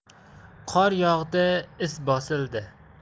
qor yog'di iz bosildi